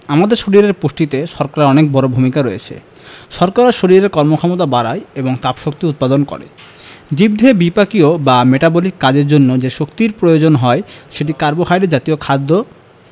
আমাদের শরীরের পুষ্টিতে শর্করার অনেক বড় ভূমিকা রয়েছে শর্করা শরীরের কর্মক্ষমতা বাড়ায় এবং তাপশক্তি উৎপাদন করে জীবদেহে বিপাকীয় বা মেটাবলিক কাজের জন্য যে শক্তির প্রয়োজন হয় সেটি কার্বোহাইড্রেট জাতীয় খাদ্য